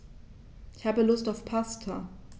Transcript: Ich habe Lust auf Pasta.